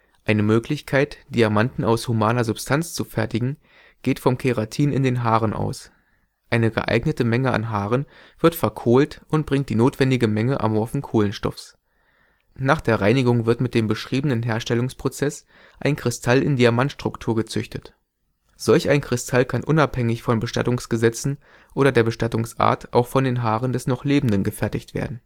Eine Möglichkeit, Diamanten aus humaner Substanz zu fertigen, geht vom Keratin in den Haaren aus. Eine geeignete Menge an Haaren wird verkohlt und bringt die notwendige Menge amorphen Kohlenstoffs. Nach der Reinigung wird mit dem beschriebenen Herstellungsprozess ein Kristall im Diamantstruktur gezüchtet. Solch ein Kristall kann unabhängig von Bestattungsgesetzen oder der Bestattungsart auch von den Haaren des noch Lebenden gefertigt werden